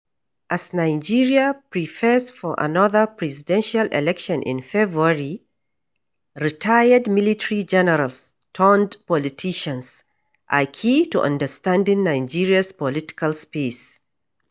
As Nigeria prepares for another presidential election in February, retired military generals turned politicians are key to understanding Nigeria's political space.